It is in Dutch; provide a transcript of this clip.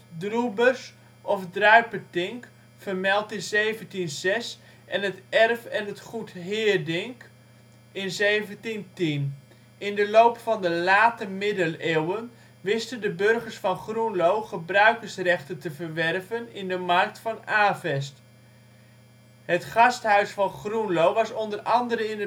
Droebers of Druiper­tinck, vermeld in 1706 en het erf en het goed Heerdink (1710). In de loop van de late Middeleeuwen wisten de burgers van Groenlo gebruikersrechten te verwerven in de mark van Avest. Het Gasthuis van Groenlo was onder andere in